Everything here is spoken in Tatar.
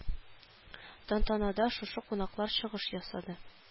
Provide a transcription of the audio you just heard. Тантанада шушы кунаклар чыгыш ясады